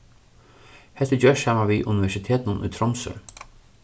hetta er gjørt saman við universitetinum í tromsø